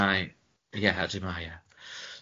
Mae... Ie odi mae e